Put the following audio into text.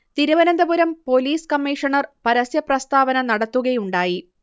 Thiruvananthapuram police commissioner പരസ്യപ്രസ്താവന നടത്തുകയുണ്ടായി